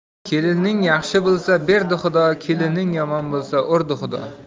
kelining yaxshi bo'lsa berdi xudo kelining yomon bo'lsa urdi xudo